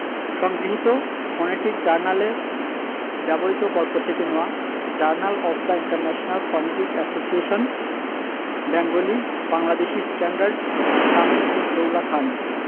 সংগৃহীত ফনেটিক জার্নালে ব্যবহিত গল্প থেকে নেওয়া journal of the international phonetic association Bengali Bangladeshi standard Samir ud Daula Khan